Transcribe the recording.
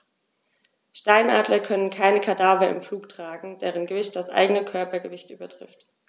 Steinadler können keine Kadaver im Flug tragen, deren Gewicht das eigene Körpergewicht übertrifft.